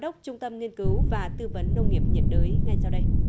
đốc trung tâm nghiên cứu và tư vấn nông nghiệp nhiệt đới ngay sau đây